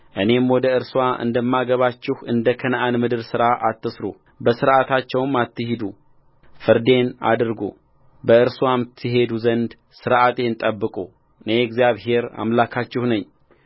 እኔም ወደ እርስዋ እንደማገባችሁ እንደ ከነዓን ምድር ሥራ አትሥሩ በሥርዓታቸውም አትሂዱፍርዴን አድርጉ በእርስዋም ትሄዱ ዘንድ ሥርዓቴን ጠብቁ እኔ እግዚአብሔር አምላካችሁ ነኝ